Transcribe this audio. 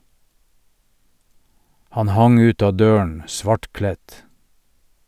Han hang ut av døren, svartkledt.